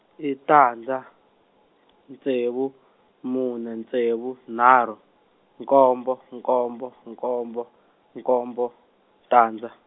i tandza, ntsevu, mune ntsevu nharhu, nkombo nkombo nkombo, nkombo, tandza.